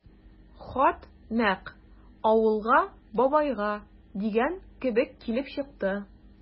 Хат нәкъ «Авылга, бабайга» дигән кебек килеп чыкты.